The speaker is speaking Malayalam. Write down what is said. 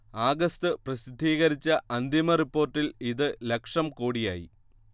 ആഗസ്ത് പ്രസിദ്ധീകരിച്ച അന്തിമ റിപ്പോർട്ടിൽ ഇത് ലക്ഷം കോടിയായി